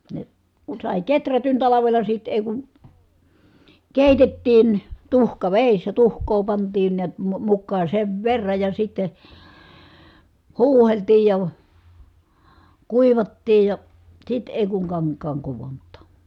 ne kun sai kehrätyn talvella sitten ei kun keitettiin tuhkavedessä tuhkaa pantiin näet - mukaan sen verran ja sitten huuhdeltiin ja kuivattiin ja sitten ei kun kankaan kudontaa